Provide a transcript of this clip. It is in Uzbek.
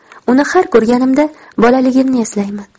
uni har ko'rganimda bolaligimni eslayman